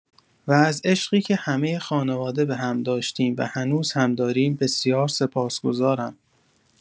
و از عشقی که همه خانواده به هم داشتیم و هنوز هم داریم بسیار سپاسگزارم.